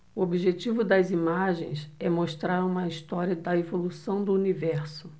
o objetivo das imagens é mostrar uma história da evolução do universo